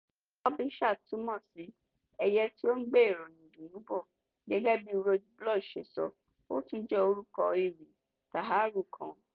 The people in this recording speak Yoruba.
Bubisher túmọ̀ sí "ẹyẹ tí ó ń gbé ìròyìn ìdùnnú bọ̀." Gẹ́gẹ́ bí Roge Blog ṣe sọ, ó tún jẹ́ orúkọ ìwé ewì Saharaui kan.